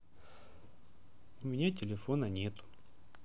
у меня телефона нету